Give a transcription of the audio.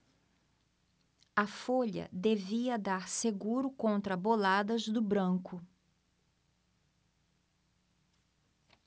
a folha devia dar seguro contra boladas do branco